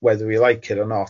Whether we like it or not?